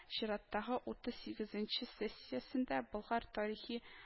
Чираттагы утыз сигезенче сессиясендә болгар тарихи